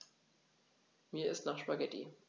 Mir ist nach Spaghetti.